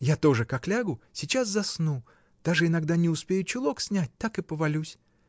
Я тоже, как лягу, сейчас засну, даже иногда не успею чулок снять, так и повалюсь.